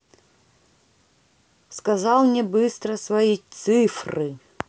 сказал мне быстро свои цифры